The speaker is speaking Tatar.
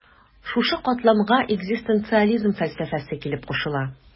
Шушы катламга экзистенциализм фәлсәфәсе килеп кушыла.